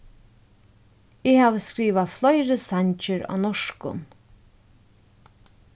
eg havi skrivað fleiri sangir á norskum